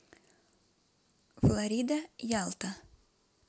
флорида ялта